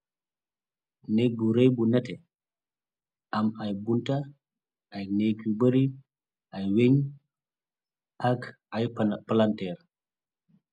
Nekk bu rey bu nete, am ay bunta , ay nekk yu bari, ay weñ ak ay palanteer.